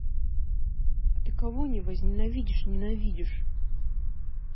а ты кого не возненавидишь ненавидишь